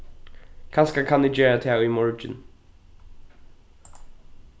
kanska kann eg gera tað í morgin